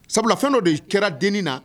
Sabula fɛn dɔ de kɛra dennin na